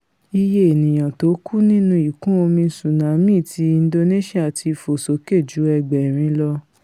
Iye ènìyàn tóku nínu Ìkún-omi Tsunami ti Indonesia ti fò sòke ju ẹ̣gbẹ̀rin lọ